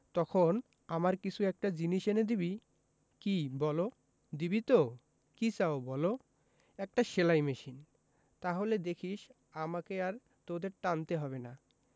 তখন আমার কিছু একটা জিনিস এনে দিবি কি বলো দিবি তো কি চাও বলো একটা সেলাই মেশিন তাহলে দেখিস আমাকে আর তোদের টানতে হবে না